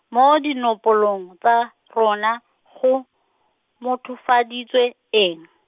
mo dinopolong tsa, rona, go, mothofaditswe, eng?